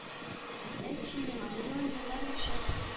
Әйт син миңа, миллион еллар яшәп,